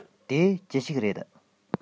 དེ ཅི ཞིག རེད